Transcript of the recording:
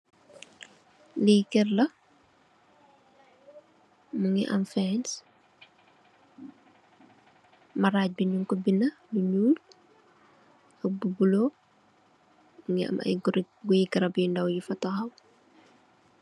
Li kër la mungi am fènce, maraj bi nung ko binda lu ñuul ak bu bulo mungi am ay garab yu ndaw yu fa tahaw.